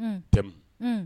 Tɛmɛ